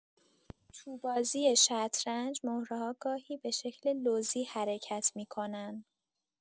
تو بازی شطرنج، مهره‌ها گاهی به شکل لوزی حرکت می‌کنن.